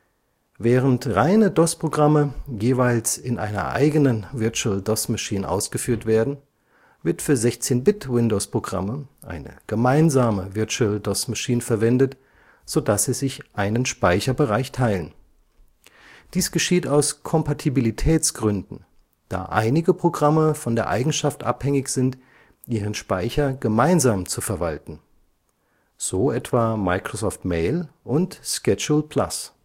Während reine DOS-Programme jeweils in einer eigenen VDM ausgeführt werden, wird für 16-Bit-Windowsprogramme eine gemeinsame VDM verwendet, sodass sie sich einen Speicherbereich teilen. Dies geschieht aus Kompatibilitätsgründen, da einige Programme von der Eigenschaft abhängig sind, ihren Speicher gemeinsam zu verwalten (so etwa Microsoft Mail und Schedule+